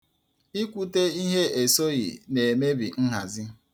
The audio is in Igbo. Ikwute ihe esoghị na-emebi nhazi.